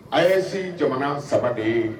A ye si jamana saba de ye